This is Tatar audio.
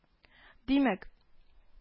Димәк